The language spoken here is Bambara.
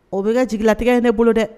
O bɛ kɛ jiginlatigɛ ye ne bolo dɛ